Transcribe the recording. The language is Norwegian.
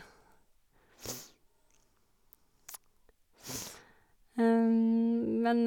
Men...